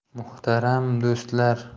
muhtaram do'stlar